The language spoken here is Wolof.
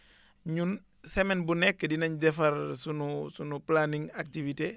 ñun semaine bu nekk dinañ defar sunu sunu planning activité